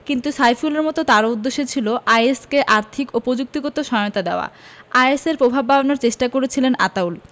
কিন্তু সাইফুলের মতো তারও উদ্দেশ্য ছিল আইএস কে আর্থিক ও প্রযুক্তিগত সহায়তা দেওয়া আইএসের প্রভাব বাড়ানোর চেষ্টা করছিলেন আতাউল